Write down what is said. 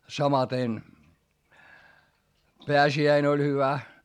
samaten pääsiäinen oli hyvä